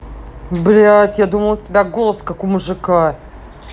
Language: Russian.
блядь я думал у тебя голос как у мужика